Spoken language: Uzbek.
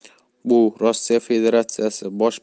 bu rossiya federatsiyasi bosh